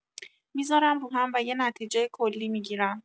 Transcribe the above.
می‌زارم رو هم و یه نتیجه کلی می‌گیرم